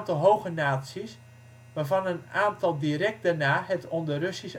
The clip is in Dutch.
hoge nazi 's, waarvan een aantal direct daarna het onder Russisch